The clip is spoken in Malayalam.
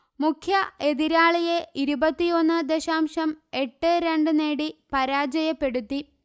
മുഖ്യ എതിരാളിയെ ഇരുപത്തിയൊന്ന് ദശാംശം എട്ട് രണ്ട് നേടി പരാജയപ്പെടുത്തി